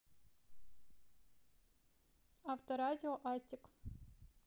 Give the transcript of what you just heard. авторадио астик